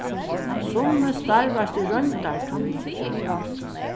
summi starvast í royndartíð